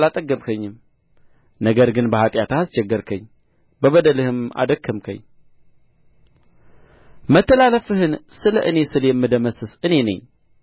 አላጠገብኸኝም ነገር ግን በኃጢአትህ አስቸገርኸኝ በበደልህም አደከምኸኝ መተላለፍህን ስለ እኔ ስል የምደመስስ እኔ ነኝ